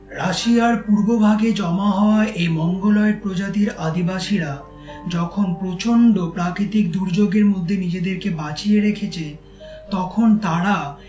রাশিয়ার পূর্বভাগে জমা হওয়া এ মঙ্গলয়েড প্রজাতির আদিবাসীরা যখন প্রচণ্ড প্রাকৃতিক দুর্যোগের মধ্যে নিজেদের কে বাচিয়ে রেখেছে তখন তারা